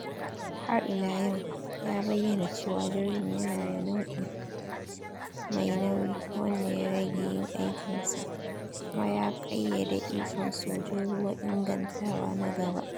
Har ila yau, ya bayyana cewa jirgin yana da nau’in mai nauyi wanda ya rage yin aikinsa kuma ya ƙayyade ikon sojin ruwa ingantawa na gaba.